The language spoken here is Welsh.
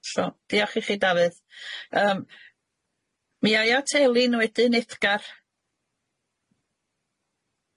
So diolch i chi Dafydd yym, mi a'i at Elin wedyn Edgar.